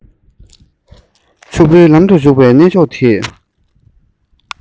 ཕྱུག པོའི ལམ དུ ཞུགས པའི གནས མཆོག འདི